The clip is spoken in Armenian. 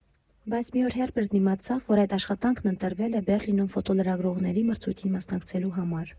Բայց մի օր Հերբերտն իմացավ, որ այդ աշխատանքն ընտրվել է Բեռլինում ֆոտոլրագրողների մրցույթին մասնակցելու համար։